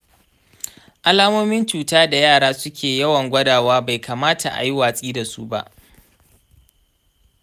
alamomin cuta da yara suke yawan gwadawa bai kamata ayi watsi dasu ba.